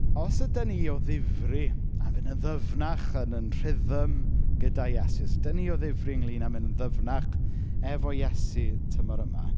Os ydan ni o ddifri am fynd yn ddyfnach yn ein rhythm gyda Iesu... os ydyn ni o ddifri ynglyn â mynd yn ddyfnach efo Iesu tymor yma.